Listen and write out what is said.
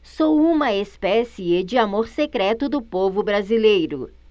sou uma espécie de amor secreto do povo brasileiro